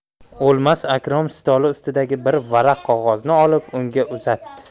o'lmas akrom stoli ustidagi bir varaq qog'ozni olib unga uzatdi